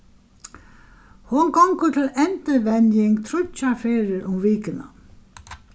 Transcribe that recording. hon gongur til endurvenjing tríggjar ferðir um vikuna